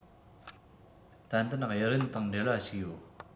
ཏན ཏན དབྱི རན དང འབྲེལ བ ཞིག ཡོད